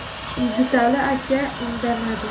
yigitali aka indamadi